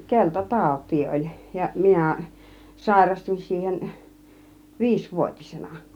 - keltatautia oli ja minä sairastuin siihen viisivuotisena